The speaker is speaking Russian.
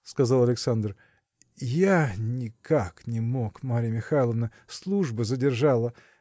– сказал Александр, – я никак не мог, Марья Михайловна служба задержала.